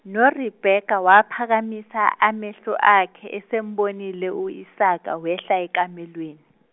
noRebeka waphakamisa amehlo akhe esembonile u Isaka wehla ekamelweni.